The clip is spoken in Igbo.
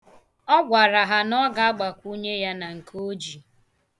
Ọ gwara ha na ọ ga-agbakwunye ya na nke o ji.